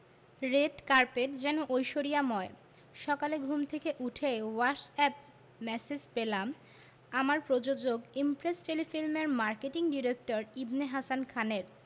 red carpet যেন ঐশ্বর্যময় সকালে ঘুম থেকে উঠেই হোয়াটসঅ্যাপ ম্যাসেজ পেলাম আমার প্রযোজক ইমপ্রেস টেলিফিল্মের মার্কেটিং ডিরেক্টর ইবনে হাসান খানের